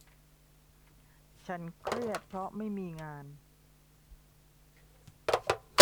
ฉันเครียดเพราะไม่มีงาน